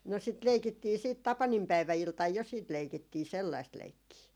no sitä leikittiin sitten tapaninpäiväiltana jo sitten leikittiin sellaista leikkiä